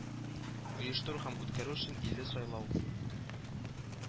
Оештыру һәм үткәрү өчен илле сайлау